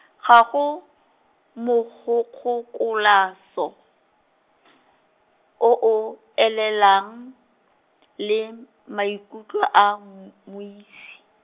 ga go, , o o, elelang , le, maikutlo a, m- mmuisi.